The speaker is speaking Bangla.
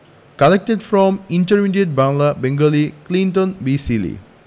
collected from intermediate Bangla Bengali Clinton B Seely